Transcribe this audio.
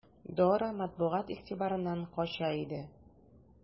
Дора матбугат игътибарыннан кача иде.